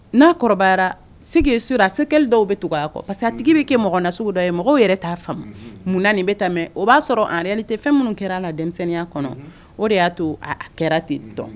N'a kɔrɔbara, ce qui est sure a séquelles dɔw bɛ tugu a kɔ parce que a tigi bɛ kɛ mɔgɔ nasugu dɔ ye mɔgɔw yɛrɛ t'a faamu, munna nin bɛ tan o b'a sɔrɔ en réalité fɛn minnu kɛr'a la denmisɛnninya kɔnɔ, o de y'a to a kɛra ten tɔ